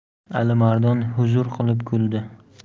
alimardon huzur qilib kuldi